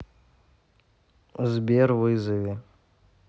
сбер вызови